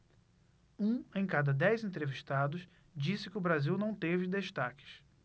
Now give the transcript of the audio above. um em cada dez entrevistados disse que o brasil não teve destaques